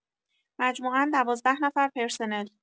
مجموعا دوازده نفر پرسنل